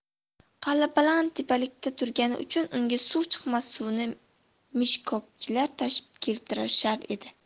qala baland tepalikda turgani uchun unga suv chiqmas suvni meshkobchilar tashib keltirishar edi